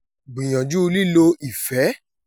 Gbìyànjú lílo ìfẹ́.''